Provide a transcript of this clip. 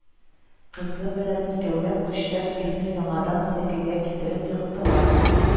Кызы белән икәүләп, көчләп ирне яңадан сәкегә китереп ектылар